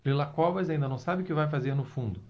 lila covas ainda não sabe o que vai fazer no fundo